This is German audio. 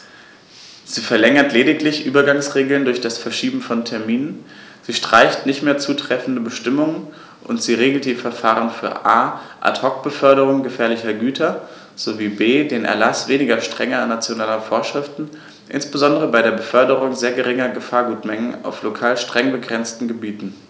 Sie verlängert lediglich Übergangsregeln durch das Verschieben von Terminen, sie streicht nicht mehr zutreffende Bestimmungen, und sie regelt die Verfahren für a) Ad hoc-Beförderungen gefährlicher Güter sowie b) den Erlaß weniger strenger nationaler Vorschriften, insbesondere bei der Beförderung sehr geringer Gefahrgutmengen auf lokal streng begrenzten Gebieten.